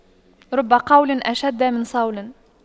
رب قول أشد من صول